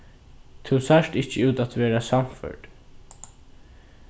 tú sært ikki út at vera sannførd